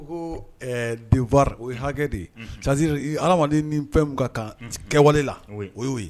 Ko ko denwari o ye hakɛ de yeri adama ni fɛn ka kan kɛwale la o y'o ye